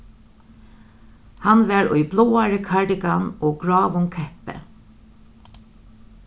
hann var í bláari kardigan og gráum keppi